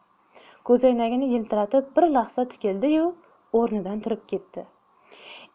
ko'zoynagini yiltiratib bir lahza tikildiyu o'rnidan turib ketdi